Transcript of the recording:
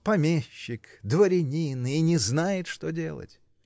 -- Помещик, дворянин -- и не знает, что делать!